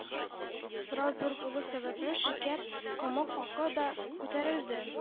Сорау зур булу сәбәпле, шикәр комы хакы да күтәрелде